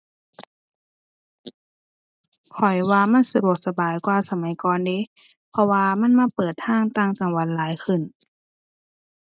ข้อยว่ามันสะดวกสบายกว่าสมัยก่อนเดะ เพราะว่ามันมาเปิดทางต่างจังหวัดหลายขึ้น